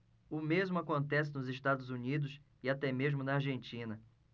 o mesmo acontece nos estados unidos e até mesmo na argentina